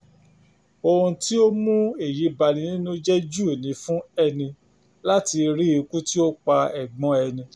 Ohun tí ó mú èyí bani nínú jẹ́ jù ni fún ẹni láti rí ikú tí ó pa ẹ̀gbọ́n ẹni.